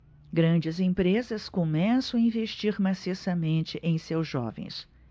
grandes empresas começam a investir maciçamente em seus jovens